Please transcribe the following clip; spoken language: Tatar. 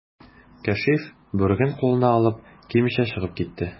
Кәшиф, бүреген кулына алып, кимичә чыгып китте.